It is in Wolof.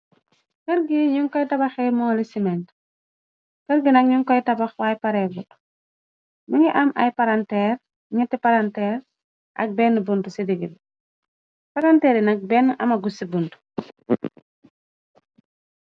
Kërgi ñu koy tabaxe mooli ci ment kërg nak ñu koy tabax waay parebut mi ngi am ay paranteer netti paranteer ak bénn bunt ci dig paranteer yinak benn ama gus ci bunt.